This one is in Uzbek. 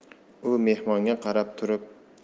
u mehmonga qarab turib